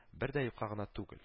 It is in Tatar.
Бер дә юкка гына түгел